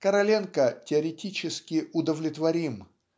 Короленко теоретически удовлетворим.